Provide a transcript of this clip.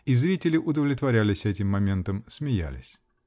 и зрители удовлетворялись этим моментом, смеялись.